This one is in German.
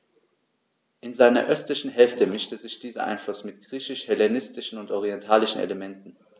In seiner östlichen Hälfte mischte sich dieser Einfluss mit griechisch-hellenistischen und orientalischen Elementen.